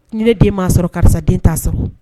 Ni ne den m'a sɔrɔ karisa den t'a sɔrɔ